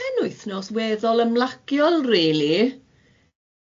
Yym penwythnos, weddol ymlaciol rili.